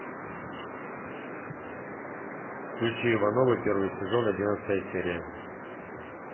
включи ивановы первый сезон одиннадцатая серия